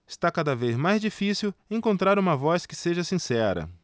está cada vez mais difícil encontrar uma voz que seja sincera